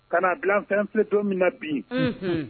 Ka n'a bila an filɛ don min na bi ,unhun.